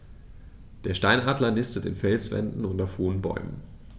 Der Steinadler nistet in Felswänden und auf hohen Bäumen.